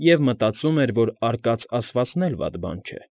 Եվ մտածում էր, որ արկած ասվածն էլ վատ բան չէ։